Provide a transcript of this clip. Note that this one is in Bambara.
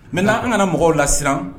Mɛ an kana mɔgɔw la siran